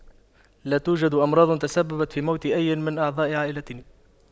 لا توجد أمراض تسببت في موت اي من اعضاء عائلتنا